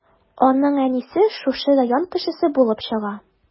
Аның әнисе шушы район кешесе булып чыга.